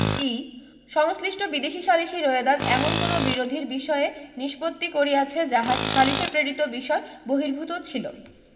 ঈ সংশ্লিষ্ট বিদেশী সালিসী রোয়েদাদ এমন কোন বিরোধীর বিষয় নিস্পত্তি করিয়াছে যাহা সালিসে প্রেরিত বিষয় বহির্ভুত ছিল